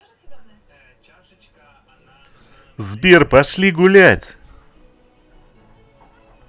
сбер пошли гулять